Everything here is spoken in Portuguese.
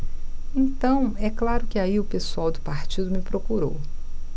então é claro que aí o pessoal do partido me procurou